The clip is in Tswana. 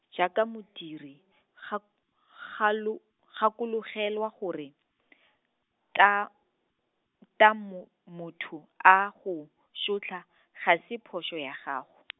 jaaka modiri gak-, galo-, gakologelwa gore , ta-, tamo-, motho a go sotla , ga se phoso ya gago.